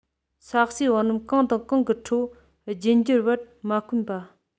ས གཤིས བང རིམ གང དང གང གི ཁྲོད རྒྱུད འགྱུར བར མ དཀོན པ